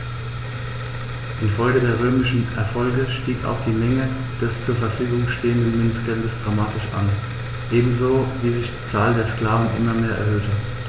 Infolge der römischen Erfolge stieg auch die Menge des zur Verfügung stehenden Münzgeldes dramatisch an, ebenso wie sich die Anzahl der Sklaven immer mehr erhöhte.